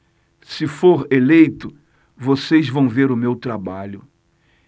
se for eleito vocês vão ver o meu trabalho